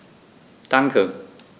Danke.